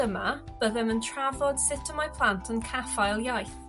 yma byddem yn trafod sut y mae plant yn caffael iaith?